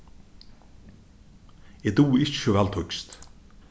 eg dugi ikki so væl týskt